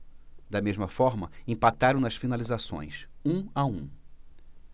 da mesma forma empataram nas finalizações um a um